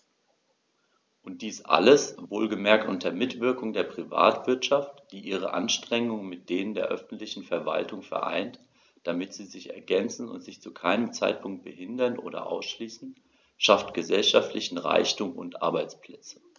Und dies alles - wohlgemerkt unter Mitwirkung der Privatwirtschaft, die ihre Anstrengungen mit denen der öffentlichen Verwaltungen vereint, damit sie sich ergänzen und sich zu keinem Zeitpunkt behindern oder ausschließen schafft gesellschaftlichen Reichtum und Arbeitsplätze.